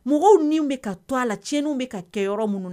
Mɔgɔw min bɛ ka to a la c bɛ ka kɛ yɔrɔ minnu na